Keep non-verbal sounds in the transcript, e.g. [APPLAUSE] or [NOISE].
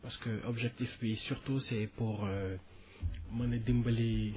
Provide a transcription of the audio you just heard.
parce que objectif bi surtout c' est pour [HESITATION] mën a dimbali